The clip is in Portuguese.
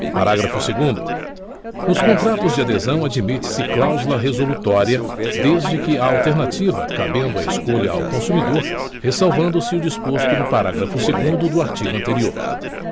parágrafo segundo nos contratos de adesão admitese cláusula resolutória desde que a alternativa cabendo a escolha ao consumidor ressalvando se o disposto no parágrafo segundo do artigo anterior